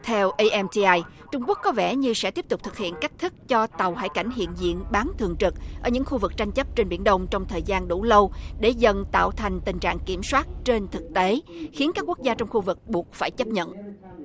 theo ây em ti ai trung quốc có vẻ như sẽ tiếp tục thực hiện cách thức cho tàu hải cảnh hiện diện bán thường trực ở những khu vực tranh chấp trên biển đông trong thời gian đủ lâu để dần tạo thành tình trạng kiểm soát trên thực tế khiến các quốc gia trong khu vực buộc phải chấp nhận